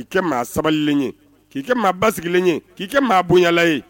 K'i kɛ maa sabalilen ye, k'i kɛ maa basigilen ye, k'i kɛ maa bonyala ye